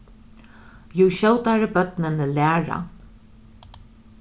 jú skjótari børnini læra